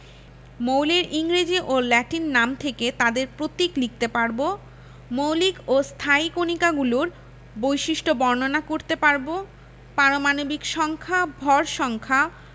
মৌলের ইংরেজি ও ল্যাটিন নাম থেকে তাদের প্রতীক লিখতে পারব মৌলিক ও স্থায়ী কণিকাগুলোর বৈশিষ্ট্য বর্ণনা করতে পারব পারমাণবিক সংখ্যা ভর সংখ্যা